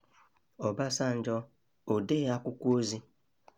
Obasanjo, odee akwụkwọ ozi?